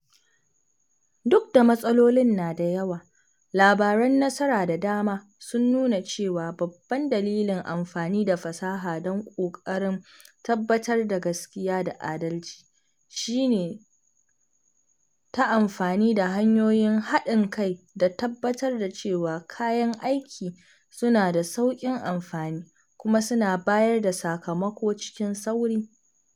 Duk da matsalolin nada yawa, labaran nasara da dama sun nuna cewa babban dalilin amfani da fasaha don ƙoƙarin tabbatar da gaskiya da adalci, shine ta amfani da hanyoyin haɗin kai da tabbatar da cewa kayan aiki suna da sauƙin amfani, kuma suna bayar da sakamako cikin sauri.